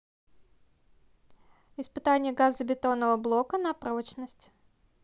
испытание газобетонного блока на прочность